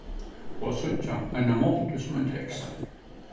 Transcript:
og at síggja eina máltíð sum ein tekst